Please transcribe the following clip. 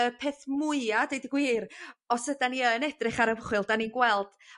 y peth mwya deud y gwir os ydan ni yn edrych ar ymchwil 'dani ni'n gweld